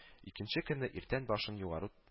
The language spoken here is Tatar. Икенче көнне иртән башын югары